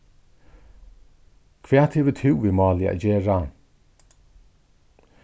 hvat hevur tú við málið at gera